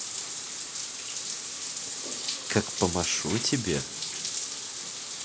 как помашу тебе